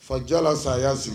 Fajala saya y' sigi